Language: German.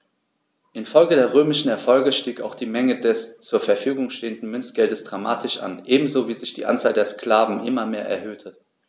Infolge der römischen Erfolge stieg auch die Menge des zur Verfügung stehenden Münzgeldes dramatisch an, ebenso wie sich die Anzahl der Sklaven immer mehr erhöhte.